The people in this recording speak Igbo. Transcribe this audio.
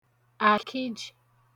àkịjị̀